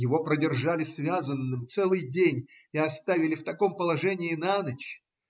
Его продержали связанным целый день и оставили в таком положении на ночь.